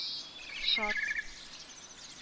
Шат